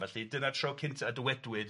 Felly dyna'r tro cynta y dywedwyd